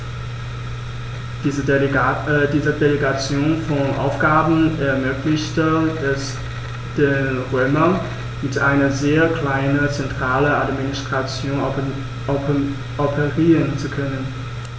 Diese Delegation von Aufgaben ermöglichte es den Römern, mit einer sehr kleinen zentralen Administration operieren zu können.